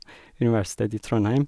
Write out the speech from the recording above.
Universitetet i Trondheim.